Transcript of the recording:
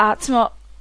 a t'mo'